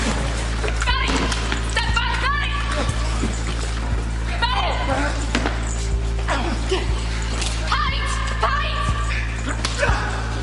Bari! Ba- Bar- Bari. Bari. Paid! Paid!